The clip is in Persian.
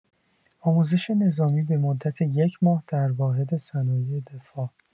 آموزش نظامی به مدت یک ماه در واحد صنایع دفاع